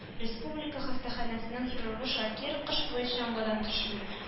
Республика хастаханәсенең хирургы Шакир кыш буена чаңгыдан төшми